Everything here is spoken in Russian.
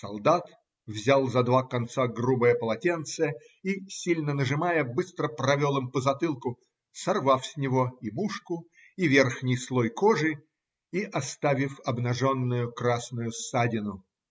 Солдат взял за два конца грубое полотенце и, сильно нажимая, быстро провел им по затылку, сорвав с него и мушку и верхний слой кожи и оставив обнаженную красную ссадину.